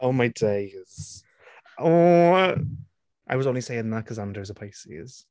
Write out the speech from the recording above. Oh my days. Oh! I was only saying that 'cause Andrew's a Pisces.